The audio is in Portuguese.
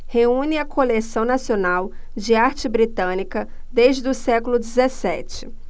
reúne a coleção nacional de arte britânica desde o século dezessete